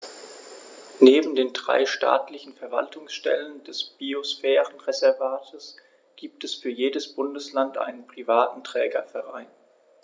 Neben den drei staatlichen Verwaltungsstellen des Biosphärenreservates gibt es für jedes Bundesland einen privaten Trägerverein.